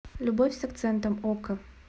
любовь с акцентом окко